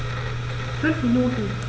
5 Minuten